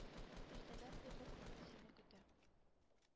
Иртәдән бирле күңел сине көтә.